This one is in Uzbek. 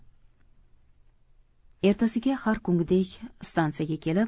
ertasiga har kungidek stansiyaga kelib